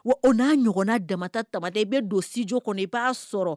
Wa o n'a ɲɔgɔnna damata tada i bɛ don sij kɔnɔ i b'a sɔrɔ